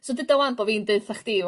So duda 'wan bo' fi'n deu' 'thach chdi